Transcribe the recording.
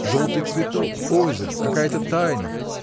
желтый цветок, озеро, какая-то тайна.